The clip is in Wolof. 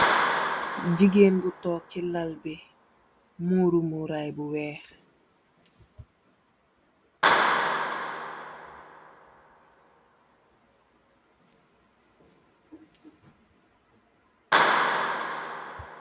Jigéén bu tokk si Lal bi mûru murayy bu wééh